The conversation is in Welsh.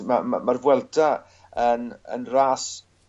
ma' ma' ma'r Vuelta yn yn ras